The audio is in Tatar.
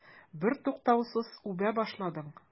Бертуктаусыз үбә башладың.